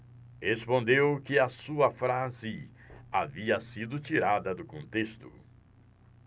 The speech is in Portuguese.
respondeu que a sua frase havia sido tirada do contexto